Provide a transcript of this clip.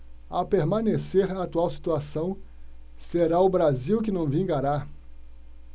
a permanecer a atual situação será o brasil que não vingará